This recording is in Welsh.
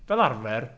Fel arfer...